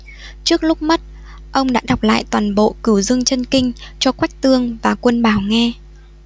trước lúc mất ông đã đọc lại toàn bộ cửu dương chân kinh cho quách tương và quân bảo nghe